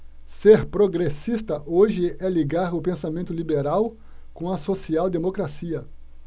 ser progressista hoje é ligar o pensamento liberal com a social democracia